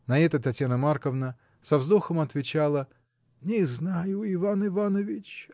На это Татьяна Марковна со вздохом отвечала: — Не знаю, Иван Иванович!